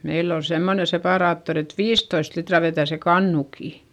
meillä oli semmoinen separaattori että viisitoista litraa vetää se kannukin